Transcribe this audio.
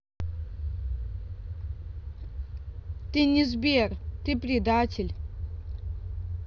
ты не сбер ты предатель